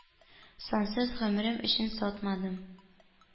Сансыз гомрем өчен сатмадым.